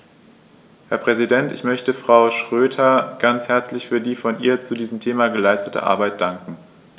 Herr Präsident, ich möchte Frau Schroedter ganz herzlich für die von ihr zu diesem Thema geleistete Arbeit danken.